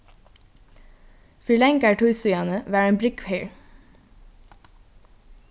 fyri langari tíð síðani var ein brúgv her